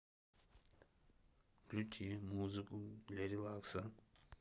включи музыку для релакса